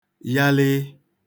yalịị